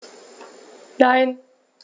Nein.